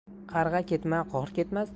qarg'a ketmay qor ketmas